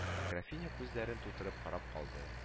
Графиня күзләрен тутырып карап калды